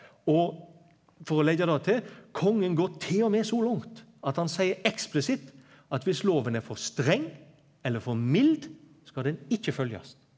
og for å leggja det til kongen går t.o.m. så langt at han seier eksplisitt at viss loven er for streng eller for mild, skal den ikkje følgjast.